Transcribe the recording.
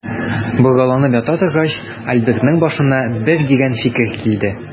Боргаланып ята торгач, Альбертның башына бер дигән фикер килде.